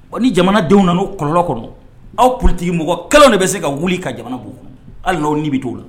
Ni jamanadenw nana o kɔlɔn kɔnɔ aw ptigi mɔgɔkɛlaw de bɛ se ka wuli ka jamanabugu hali ni bɛ t'o la